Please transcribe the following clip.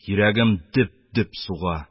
Йөрәгем дөп-дөп суга.